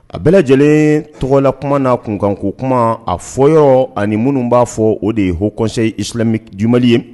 A bɛɛ lajɛlen tɔgɔla kuma na kunkan k' kuma a fɔ yɔrɔ ani minnu b'a fɔ o de ye hɔkse ifimi j ye